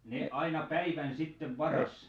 ne aina päivän sitten varasi